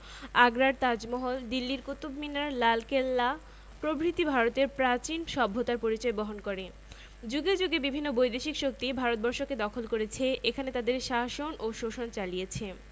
আগ্রার তাজমহল দিল্লির কুতুব মিনার লালকেল্লা প্রভৃতি ভারতের প্রাচীন সভ্যতার পরিচয় বহন করেযুগে যুগে বিভিন্ন বৈদেশিক শক্তি ভারতবর্ষকে দখল করেছে এখানে তাদের শাসন ও শোষণ চালিয়েছে